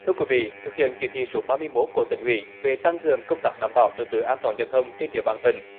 thưa quý vị thực hiện chỉ thị số ba mươi mốt của tỉnh ủy về tăng cường công tác đảm bảo trật tự an toàn giao thông trên địa bàn tỉnh